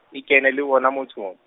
e kene le bone mothong.